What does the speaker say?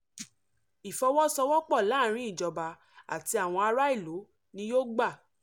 Ìfọwọ́sowọ́pọ̀ láàárín àwọn ìjọba àti àwọn ará-ìlú ni yóò gbà.